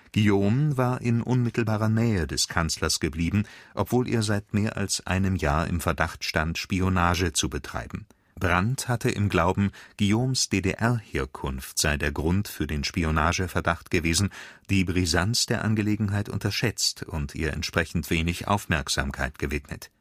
Guillaume war in unmittelbarer Nähe des Kanzlers geblieben, obwohl er seit mehr als einem Jahr im Verdacht stand, Spionage zu betreiben. Brandt hatte im Glauben, Guillaumes DDR-Herkunft sei der Grund für den Spionageverdacht gewesen, die Brisanz der Angelegenheit unterschätzt und ihr entsprechend wenig Aufmerksamkeit gewidmet